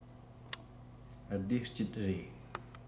བདེ སྐྱིད རེད